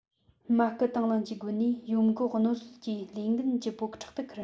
མ སྐུལ དང བླངས ཀྱི སྒོ ནས ཡོམ འགོག གནོད སེལ གྱི ལས འགན ལྗིད པོ ཕྲག དུ ཁུར